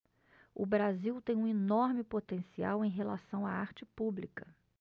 o brasil tem um enorme potencial em relação à arte pública